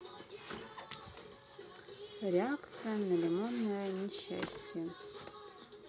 реакция на лимонное несчастье